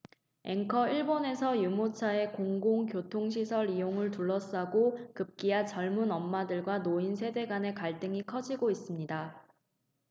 앵커 일본에서 유모차의 공공 교통시설 이용을 둘러싸고 급기야 젊은 엄마들과 노인 세대 간의 갈등이 커지고 있습니다